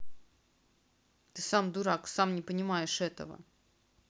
ты сам дурак сам не понимаешь этого